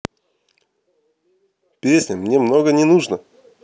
песня мне много не нужно